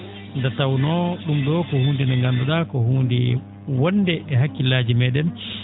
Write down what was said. nde tawnoo ?um ?oo ko hunnde nde ngandu?aa ko hunnde wonde e hakkillaaji mee?en